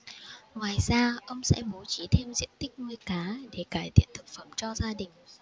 ngoài ra ông sẽ bố trí thêm diện tích nuôi cá để cải thiện thực phẩm cho gia đình